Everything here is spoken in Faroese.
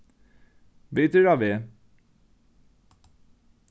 vit eru á veg